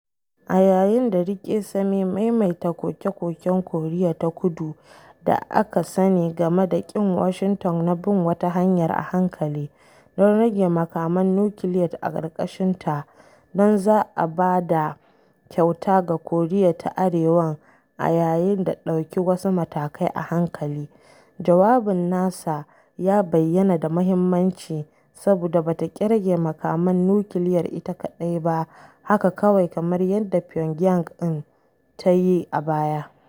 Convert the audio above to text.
A yayin da Rike same maimaita koke-koken Koriya ta Kudu da aka sani game da ƙin Washington na bin wata hanyar “a hankali” don rage makaman nukiliyat a ƙarƙashinsa da za a ba da kyauta ga Koriya ta Arewan a yayin da ɗauki wasu matakai a hankali, jawabin nasa ya bayyana da muhimmanci saboda ba ta ƙi rage makaman nukiliyar ita kaɗai ba haka kawai kamar yadda Pyongyang ɗin ta yi a baya ba.